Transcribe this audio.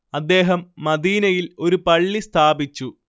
അദ്ദേഹം മദീനയിൽ ഒരു പള്ളി സ്ഥാപിച്ചു